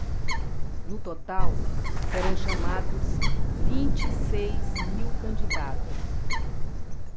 no total serão chamados vinte e seis mil candidatos